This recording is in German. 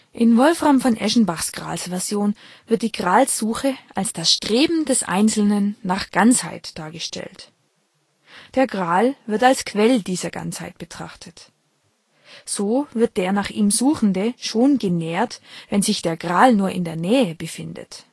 In Wolframs von Eschenbach Gralsversion wird die Gralssuche als das Streben des Einzelnen nach Ganzheit dargestellt. Der Gral wird als Quell dieser Ganzheit betrachtet. So wird der nach ihm Suchende schon genährt, wenn sich der Gral nur in der Nähe befindet